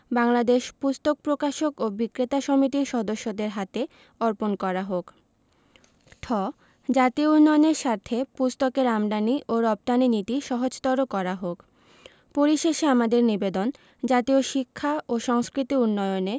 বাংলাদেশ পুস্তক প্রকাশক ও বিক্রেতা সমিতির সদস্যদের হাতে অর্পণ করা হোক ঠ জাতীয় উন্নয়নের স্বার্থে পুস্তকের আমদানী ও রপ্তানী নীতি সহজতর করা হোক পরিশেষে আমাদের নিবেদন জাতীয় শিক্ষা ও সংস্কৃতি উন্নয়নে